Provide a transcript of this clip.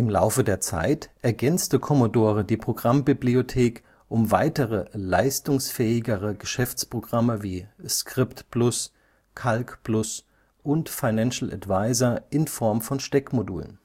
Laufe der Zeit ergänzte Commodore die Programmbibliothek um weitere leisterungsfähigere Geschäftsprogramme wie Script/Plus, Calc/Plus und Financial Advisor in Form von Steckmodulen